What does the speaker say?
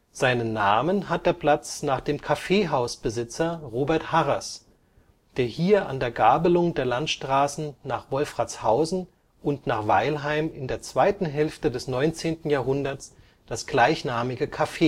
Seinen Namen hat der Platz nach dem Kaffeehausbesitzer Robert Harras, der hier an der Gabelung der Landstraßen nach Wolfratshausen und nach Weilheim in der zweiten Hälfte des 19. Jahrhunderts das gleichnamige Café